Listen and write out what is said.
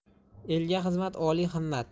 elga xizmat oliy himmat